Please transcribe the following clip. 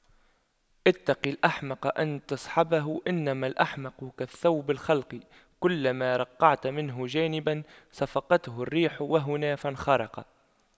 اتق الأحمق أن تصحبه إنما الأحمق كالثوب الخلق كلما رقعت منه جانبا صفقته الريح وهنا فانخرق